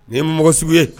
Nin ye mu' mɔgɔ sugu ye?